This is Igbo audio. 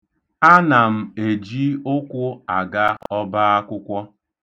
Ana m eji ụkwụ aga ọbaakwụkwọ.